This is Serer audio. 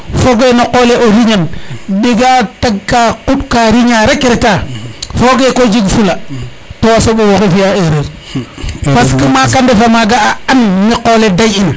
foge no qole o riñan ndega tag ka riña rek reta foge ko jeg fula to a soɓa waxey fiya erreur parce :frea que kaka ndefa maga a an me qole dey ina